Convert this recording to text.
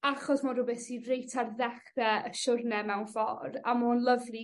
achos ma' o rwbeth sy reit ar ddechre y siwrne mewn ffor a ma' o yn lyfli